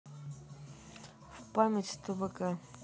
в память твк